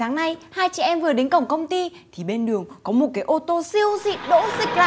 sáng nay hai chị em vừa đến cổng công ty thì bên đường có một cái ô tô siêu xịn đỗ xịch lại